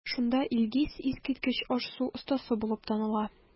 Шунда Илгиз искиткеч аш-су остасы булып таныла.